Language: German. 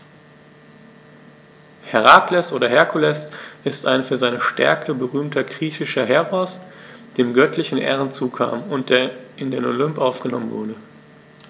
Herakles oder Herkules ist ein für seine Stärke berühmter griechischer Heros, dem göttliche Ehren zukamen und der in den Olymp aufgenommen wurde.